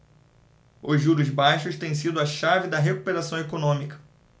os juros baixos têm sido a chave da recuperação econômica